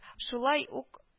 Шулай ук